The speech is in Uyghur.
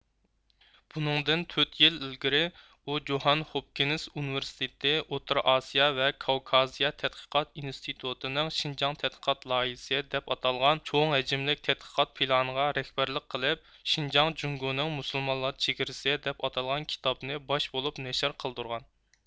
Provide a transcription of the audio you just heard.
بۇنىڭدىن تۆت يىل ئىلگىرى ئۇ جوھان خوپكىنس ئۇنىۋىرسىتېتى ئوتتۇرا ئاسىيا ۋە كاۋكازىيە تەتقىقات ئىنىستىتۇتىنىڭ شىنجاڭ تەتقىقات لايىھىسى دەپ ئاتالغان چوڭ ھەجىملىك تەتقىقات پىلانىغا رەھبەرلىك قىلىپ شىنجاڭ جۇڭگونىڭ مۇسۇلمانلار چېگرىسى دەپ ئاتالغان كىتابنى باش بولۇپ نەشىر قىلدۇرغان